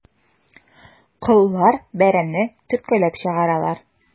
Коллар бәрәнне төрткәләп чыгаралар.